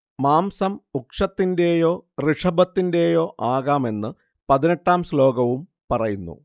മാംസം ഉക്ഷത്തിന്റെയോ ഋഷഭത്തിന്റെയോ ആകാമെന്ന് പതിനെട്ടാം ശ്ലോകവും പറയുന്നു